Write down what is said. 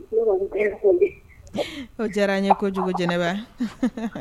O diyara n ye kojugu jɛnɛba